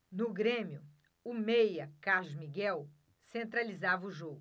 no grêmio o meia carlos miguel centralizava o jogo